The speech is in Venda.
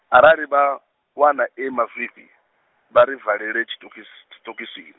arali vha, wana e mazwifhi, vha ri valele tshiṱokis- tshiṱokisini.